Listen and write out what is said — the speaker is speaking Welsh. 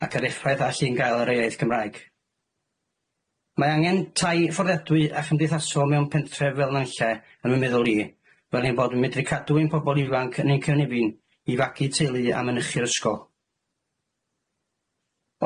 ac yr effaith all hyn gael yr iaith Gymraeg. Mae angen tai fforddiadwy a chymdeithasol mewn pentref fel Nantlle yn fy meddwl i fel ein bod yn medru cadw ein pobol ifanc yn ein cynefin i fagu teulu a mynychu'r ysgol.